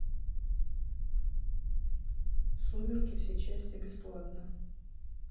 сумерки все части бесплатно